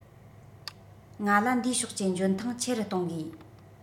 ང ལ འདིའི ཕྱོགས ཀྱི འཇོན ཐང ཆེ རུ གཏོང དགོས